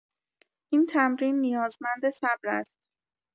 این تمرین نیازمند صبر است.